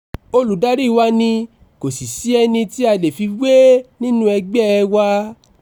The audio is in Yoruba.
Olùdaríi wa ni, kò sí eni tí a lè fi wé e nínú ẹgbẹ́ẹ wa.